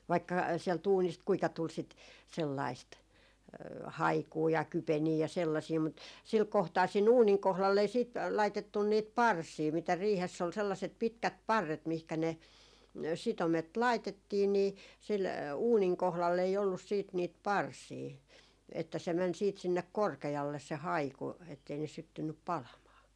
vaikka sieltä uunista kuinka tuli sitä sellaista haikua ja kypeniä ja sellaisia mutta sillä kohtaa siinä uunin kohdalla ei sitten laitettu niitä parsia mitä riihessä oli sellaiset pitkät parret mihinkä ne sitomet laitettiin niin sillä uunin kohdalla ei ollut sitten niitä parsia että se meni sitten sinne korkealle se haiku että ei ne syttynyt palamaan